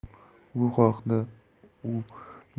bu hafta u jon boynning yo'l